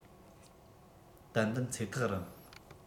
ཏན ཏན ཚེ ཐག རིང